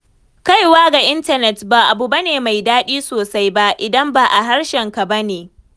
Kaiwa ga intanet ba abu ne mai daɗi sosai ba, idan ba a harshenka ba ne.